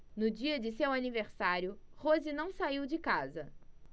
no dia de seu aniversário rose não saiu de casa